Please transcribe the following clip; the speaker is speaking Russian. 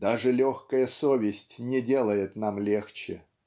даже легкая совесть не делает нам легче.